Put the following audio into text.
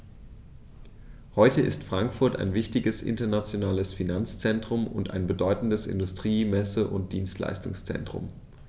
Heute ist Frankfurt ein wichtiges, internationales Finanzzentrum und ein bedeutendes Industrie-, Messe- und Dienstleistungszentrum.